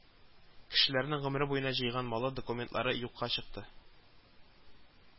Кешеләрнең гомере буена җыйган малы, документлары юкка чыкты